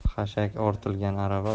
xashak ortilgan arava